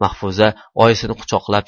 mahfuza oyisini quchoqlab